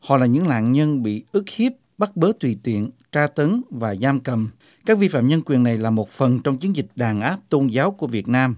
họ là những nạn nhân bị ức hiếp bắt bớ tùy tiện tra tấn và giam cầm các vi phạm nhân quyền này là một phần trong chiến dịch đàn áp tôn giáo của việt nam